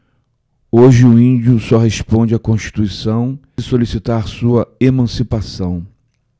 hoje o índio só responde à constituição se solicitar sua emancipação